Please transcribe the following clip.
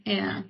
ia.